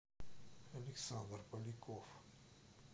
александр поляков